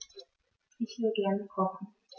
Ich will gerne kochen.